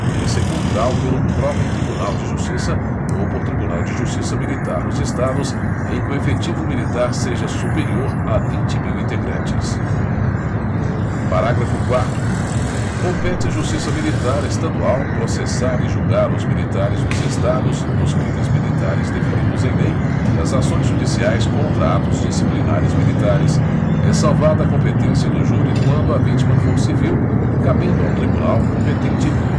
e em segundo grau pelo próprio tribunal de justiça ou por tribunal de justiça militar nos estados em que o efetivo militar seja superior a vinte mil integrantes parágrafo quarto compete à justiça militar estadual processar e julgar os militares dos estados nos crimes militares definidos em lei e as ações judiciais contra atos disciplinares militares ressalvada a competência do júri quando a vítima for civil cabendo ao tribunal competente